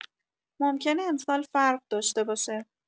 ممکنه امسال فرق داشته باشه.